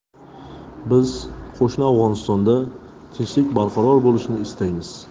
biz qo'shni afg'onistonda tinchlik barqaror bo'lishini istaymiz